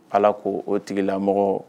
Ala ko o tigilamɔgɔ